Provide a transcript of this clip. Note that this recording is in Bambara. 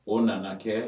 O nana kɛɛ